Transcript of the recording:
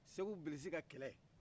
segu bilisi ka kɛlɛ